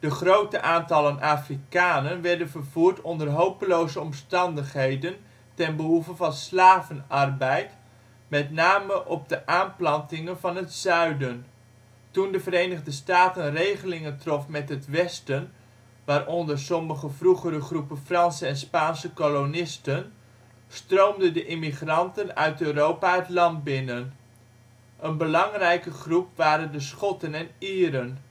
grote aantallen Afrikanen werden vervoerd onder hopeloze omstandigheden ten behoeve van slavenarbied, met name op de aanplantingen van het Zuiden. Toen de Verenigde Staten regelingen trof met het Westen (waaronder sommige vroegere groepen Franse en Spaanse kolonisten), stroomde de immigranten uit Europa het land binnen. Een belangrijke groep waren de Schotten en Ieren